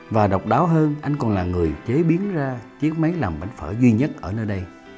và độc đáo hơn anh còn là người chế biến ra chiếc máy làm bánh phở duy nhất ở nơi đây